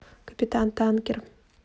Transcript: капитан танкер